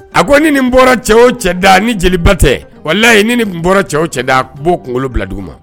A ko ni nin bɔra cɛ o cɛ da ni jeliba tɛ wala layi ni n bɔra cɛw cɛda u b'o kunkolo bila dugu ma